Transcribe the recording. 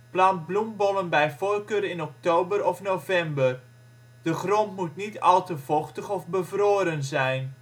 Plant bloembollen bij voorkeur in oktober of november. De grond moet niet al te vochtig of bevroren zijn